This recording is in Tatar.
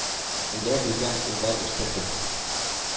Үлә белгән уллар үстердем.